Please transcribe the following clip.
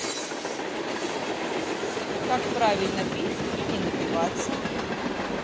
как правильно пить и не напиваться